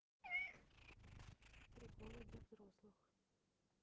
приколы для взрослых